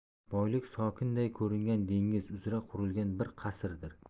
boylik sokinday ko'ringan dengiz uzra qurilgan bir qasrdir